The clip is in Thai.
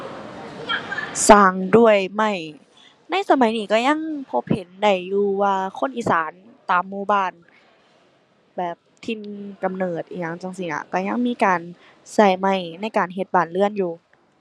สร้างด้วยไม้ ในสมัยนี้ก็ยังพบเห็นได้อยู่ว่าคนอีสานตามหมู่บ้าน แบบ ถิ่นกำเนิดหยังจั่งซี้น่ะก็ยังมีการก็ไม้ในการเฮ็ดบ้านเรือนอยู่